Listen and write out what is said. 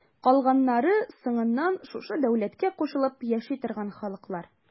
Калганнары соңыннан шушы дәүләткә кушылып яши торган халыклар.